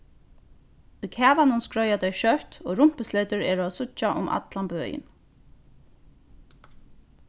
í kavanum skreiða tey skjótt og rumpusletur eru at síggja um allan bøin